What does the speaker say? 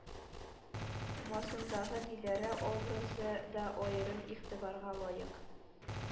Масындагы диләрә образы да аерым игътибарга лаек